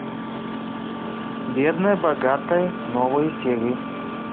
бедная богатая новые серии